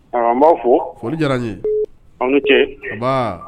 A b'aw fɔ foli diyara n ye aw ni ce baba